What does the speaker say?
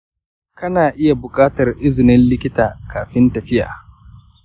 kina iya buƙatar izinin likita kafin tafiya.